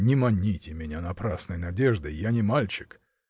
не маните меня напрасной надеждой: я не мальчик!